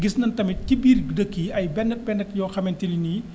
gis nañ tamit ci biir dëkk yi ay benn benn yoo xamante ni nii